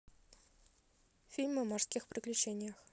фильмы о морских приключениях